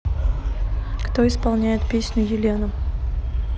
кто исполняет песню елена